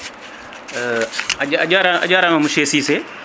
a jara a jarama monsieur Cissé